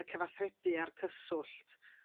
y cyfathrebu a'r cyswllt